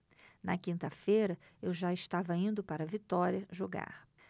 na quinta-feira eu já estava indo para vitória jogar